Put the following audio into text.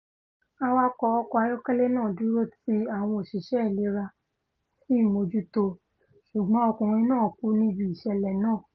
Awakọ̀ ọkọ̀ ayọ́kẹ́lẹ́ náà dúró tí àwọn òṣìṣẹ́ ìlera sì mójútó o, s̀ugbọ́n ọkùnrin náà kú níbi ìṣẹ̀lẹ̀ náà.